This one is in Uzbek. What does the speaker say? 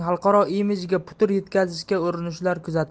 xalqaro imijiga putur yetkazishga urinishlar kuzatildi